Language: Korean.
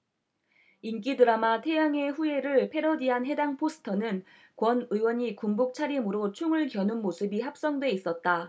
인기 드라마 태양의 후예를 패러디한 해당 포스터는 권 의원이 군복 차림으로 총을 겨눈 모습이 합성돼 있었다